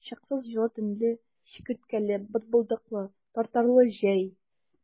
Чыксыз җылы төнле, чикерткәле, бытбылдыклы, тартарлы җәй!